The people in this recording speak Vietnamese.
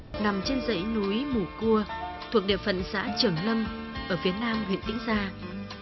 nằm trên dãy núi mù cua thuộc địa phận xã trường lâm ở phía nam huyện tĩnh gia